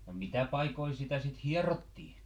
no mitä paikkoja sitä sitten hierottiin